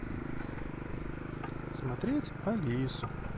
смотреть алису